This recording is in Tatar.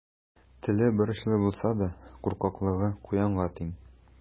Теле борычлы булса да, куркаклыгы куянга тиң.